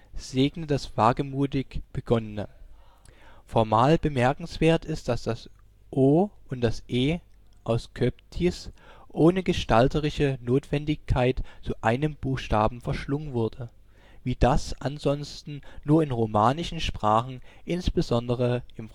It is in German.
segne das wagemutig Begonnene). Formal bemerkenswert ist, dass das O und das E aus CŒPTIS ohne gestalterische Notwendigkeit zu einem Buchstaben verschlungen wurde, wie das ansonsten nur in romanischen Sprachen, insbesondere im